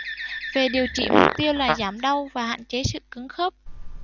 về điều trị mục tiêu là giảm đau và hạn chế sự cứng khớp